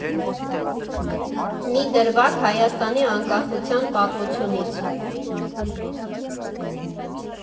Մի դրվագ Հայաստանի անկախության պատմությունից։